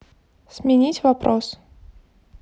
сменить вопрос